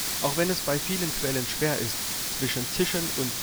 Auch wenn es bei vielen Quellen schwer ist zwischen Zischen und